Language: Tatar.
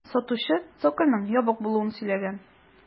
Сатучы цокольның ябык булуын сөйләгән.